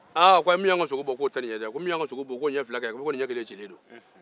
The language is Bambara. u min y'an ka sogo bon ko nin te o ye ko ɲɛ fila ka nin ɲɛ kelen cilen don